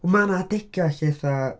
Mae 'na adegau lle fatha...